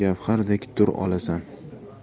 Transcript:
gavhardek dur olarsan